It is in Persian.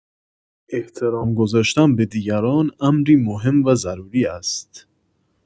احترام گذاشتن به دیگران امری مهم و ضروری است